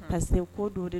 Ka se ko don de